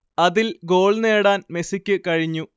അതിൽ ഗോൾ നേടാൻ മെസ്സിക്ക് കഴിഞ്ഞു